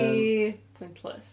Ci pointless.